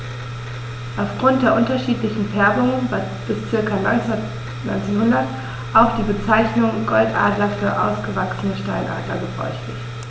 Auf Grund der unterschiedlichen Färbung war bis ca. 1900 auch die Bezeichnung Goldadler für ausgewachsene Steinadler gebräuchlich.